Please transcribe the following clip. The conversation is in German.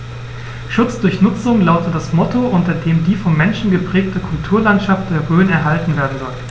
„Schutz durch Nutzung“ lautet das Motto, unter dem die vom Menschen geprägte Kulturlandschaft der Rhön erhalten werden soll.